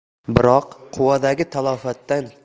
biroq quvadagi talafotdan